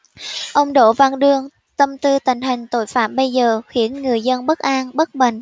ông đỗ văn đương tâm tư tình hình tội phạm bây giờ khiến người dân bất an bất bình